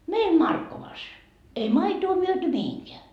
meidän Markkovassa ei maitoa myyty mihinkään